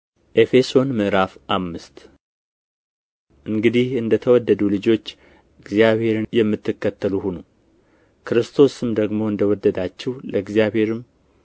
ኤፌሶን ምዕራፍ አምስት እንግዲህ እንደ ተወደዱ ልጆች እግዚአብሔርን የምትከተሉ ሁኑ ክርስቶስም ደግሞ እንደ ወደዳችሁ ለእግዚአብሔርም